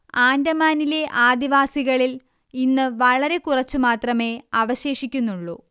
ആൻഡമാനിലെ ആദിവാസികളിൽ ഇന്ന് വളരെക്കുറച്ചുമാത്രമേ അവശേഷിക്കുന്നുള്ളൂ